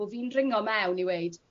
bo' fi'n ringo mewn i weud